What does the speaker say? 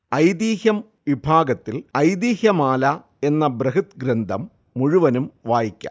ഐതിഹ്യം വിഭാഗത്തിൽ 'ഐതിഹ്യമാല' എന്ന ബൃഹത്ഗ്രന്ഥം മുഴുവനും വായിക്കാം